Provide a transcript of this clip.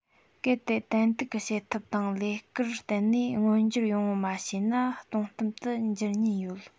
གལ ཏེ ཏན ཏིག གི བྱེད ཐབས དང ལས ཀར བརྟེན ནས མངོན འགྱུར ཡོང བར མ བྱས ན སྟོང གཏམ དུ འགྱུར ཉེན ཡོད